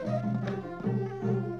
Sangɛningɛnin yo